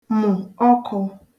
mụ̀ ọkụ̄